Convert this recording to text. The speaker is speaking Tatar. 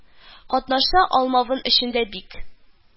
Катнаша алмавым өчен дә бик